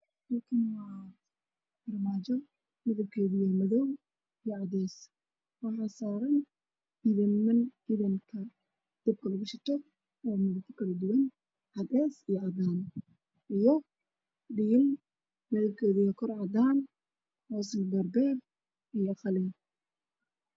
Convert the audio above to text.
Waa armaajo midabkeedu uu yahay Madow iyo cadeys waxaa saaran idaanka dabka lugu shito oo ah cadaan iyo cadeys, dhiil midabkeedu uu yahay cadaan, beer iyo qalin.